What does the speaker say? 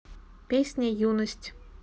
песня юность